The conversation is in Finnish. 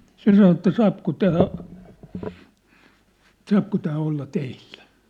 se sanoi että saako tämä saako tämä olla teillä